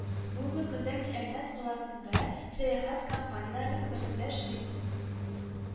Бүгенге көндә мин Әлмәт каласындә сәяхәт компанияләренең берсендә эшлим